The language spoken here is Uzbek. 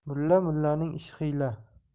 mulla mullaning ishi hiyla